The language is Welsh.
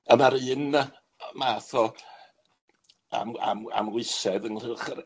A ma'r un yy math o am- am- amhwysedd ynghylch yr